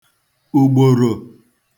ùgbòrò